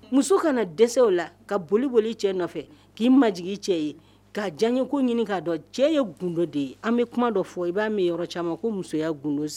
Muso kana dɛsɛw la ka bolioli cɛ nɔfɛ k'i maj cɛ ye k'a diya ye ko ɲini k'a dɔn cɛ ye gdo de ye an bɛ kuma dɔ fɔ i b'a min yɔrɔ caman ma ko musoya gdo